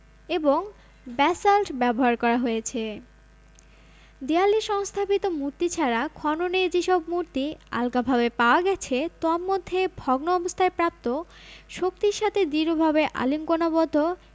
এবং ব্যাসাল্ট ব্যবহার করা হয়েছে দেয়ালে সংস্থাপিত মূর্তি ছাড়া খননে যেসব মূর্তি আগলাভাবে পাওয়া গেছে তম্মধ্যে ভগ্ন অবস্থায় প্রাপ্ত শক্তির সাথে দৃঢ়ভাবে আলিঙ্গনাবদ্ধ